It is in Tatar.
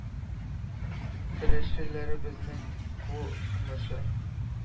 Көрәшчеләребезнең бу уңышы –